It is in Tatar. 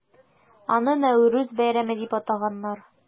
Аны Нәүрүз бәйрәме дип атаганнар.